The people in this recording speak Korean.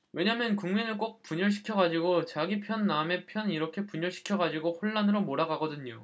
왜냐면 국민을 꼭 분열시켜가지고 자기 편 남의 편 이렇게 분열시켜가지고 혼란으로 몰아가거든요